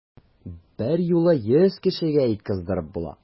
Берьюлы йөз кешегә ит кыздырып була!